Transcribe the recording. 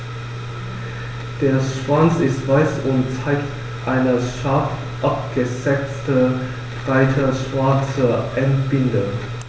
Der Schwanz ist weiß und zeigt eine scharf abgesetzte, breite schwarze Endbinde.